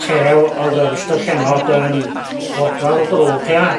tew o'dd yr yn fodfadd o drwch ia? Ia